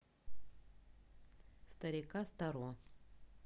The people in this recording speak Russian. старика старо